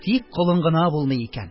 Тик колын гына булмый икән.